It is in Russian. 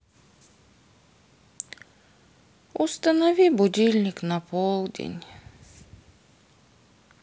установи будильник на полдень